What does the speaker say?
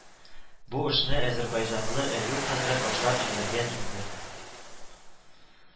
Бу эшне әзәрбәйҗанлы Әюп хәзрәт башлап җибәргән инде